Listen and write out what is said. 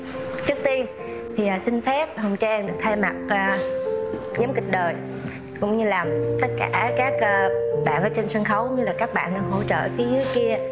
trước tiên thì xin phép hồng trang được thay mặt a nhóm kịch đời cũng như là tất cả các bạn ở trên sân khấu như các bạn đang hỗ trợ phía dưới kia